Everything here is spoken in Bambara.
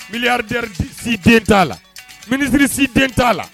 Miliyaridɛri si den t'a la minisiriri si den t'a la